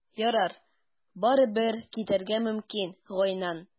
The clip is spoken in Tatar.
Ярар, барыбер, китәргә мөмкин, Гайнан.